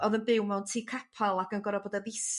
Odd o'n byw mewn tŷ capal ac yn goro bod y' ddistaw